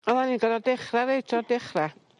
Oedd o'dd o dechra reit o'r dechra.